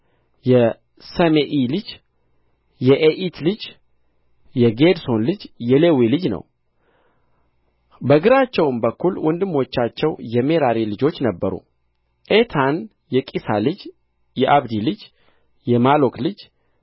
የሰሜኢ ልጅ የኢኤት ልጅ የጌድሶን ልጅ የሌዊ ልጅ ነው በግራቸውም በኩል ወንድሞቻቸው የሜራሪ ልጆች ነበሩ ኤታን የቂሳ ልጅ የአብዲ ልጅ የማሎክ ልጅ